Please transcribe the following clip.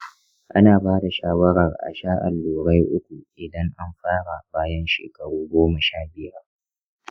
ana ba da shawarar a sha allurai uku idan an fara bayan shekaru goma sha biyar.